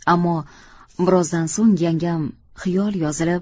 ammo birozdan so'ng yangam xiyol yozilib